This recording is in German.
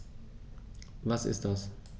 Was ist das?